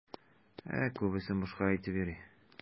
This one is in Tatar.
Күбесен бушка әйтеп йөри.